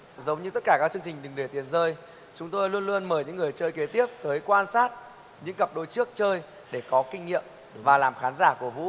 giống như tất cả các chương trình đừng để tiền rơi chúng tôi luôn luôn mời những người chơi kế tiếp tới quan sát những cặp đôi trước chơi để có kinh nghiệm và làm khán giả cổ vũ